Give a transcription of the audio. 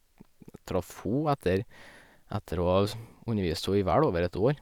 Traff ho etter etter å ha sm undervist ho i vel over et år.